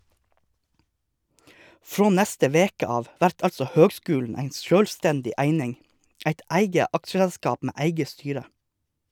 Frå neste veke av vert altså høgskulen ei sjølvstendig eining, eit eige aksjeselskap med eige styre.